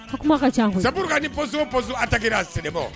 Kuma ka caa koyi, c'est pouquoi ni position fɛn o fɛn aaque la